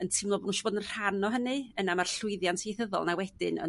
yn teimlo bo' n'w isio bod yn rhan o hynny yna ma'r llwyddiant ieithyddol 'na wedyn yn